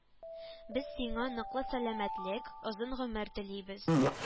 Без сиңа ныклы сәламәтлек, озын гомер телибез